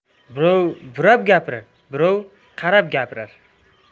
birov burab gapirar birov qarab gapirar